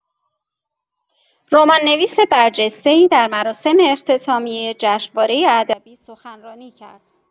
رمان‌نویس برجسته‌ای در مراسم اختتامیه جشنواره ادبی سخنرانی کرد.